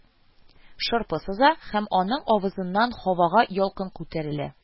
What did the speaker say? Шырпы сыза, һәм аның авызыннан һавага ялкын күтәрелә